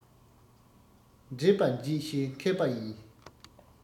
འདྲེས པ འབྱེད ཤེས མཁས པ ཡིན